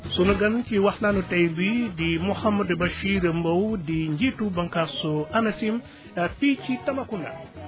sunu gan si waxtaanu tay bii di Mouhadou Bachir Mbow di njiitu bànqaasu ANACIM fii ci Tambacounda